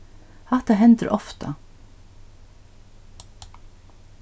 hatta hendir ofta